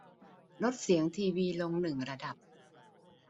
ลดเสียงทีวีลงหนึ่งระดับ